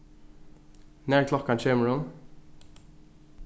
nær klokkan kemur hon